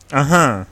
Unhhun